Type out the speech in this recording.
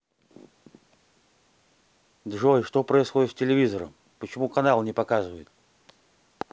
джой что происходит с телевизором почему каналы не показывают